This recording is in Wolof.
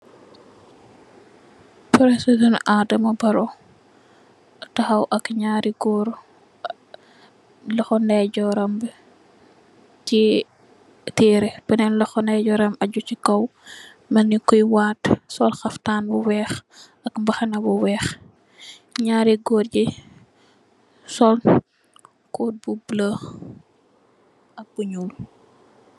President Adama Barrow tahaw ak nyari goor lohou ndeyjorram be teye tereh benen lohou ndeyjorram aju se kaw melne koy watt sol haftan bu weex ak mbaxana bu weex nyari goor ge sol kode bu bulo ak ku nuul.